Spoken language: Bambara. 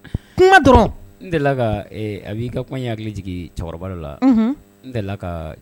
Kuma dɔrɔn n a b'i ka kɔɲɔ hakili jigin cɛkɔrɔba dɔ la n tɛ ka